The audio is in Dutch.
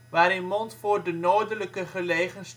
waarin Montfoort de noordelijker gelegen